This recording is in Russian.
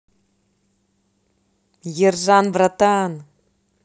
ержан братан